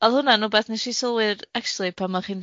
O'dd hwnna'n wbath nesh i sylwi'r acshyli pan o'ch chi'n